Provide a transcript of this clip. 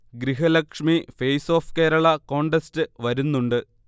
Grihalakshmi face of Kerala contest വരുന്നുണ്ട്